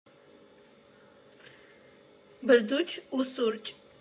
Բրդուճ ու սուրճ։